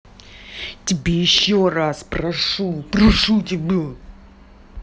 тебе еще раз прошу прошу тебя